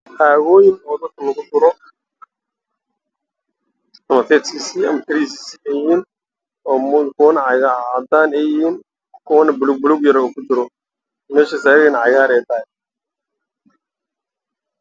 Waa salingo ku jirto bac